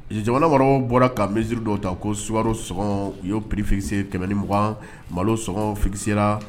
Jamana wɔɔrɔ bɔra ka misiriri dɔ ta ko swaro s u y'o prifisi kɛmɛugan mali s fise